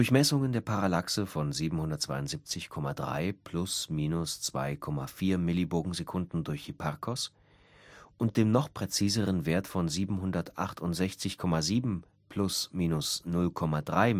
Messungen der Parallaxe von 772,3 ± 2,4 mas durch Hipparcos und dem noch präziseren Wert von 768,7 ± 0,3 mas